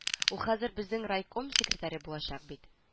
Ул хәзер безнең райком секретаре булачак бит